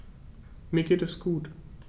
Mir geht es gut.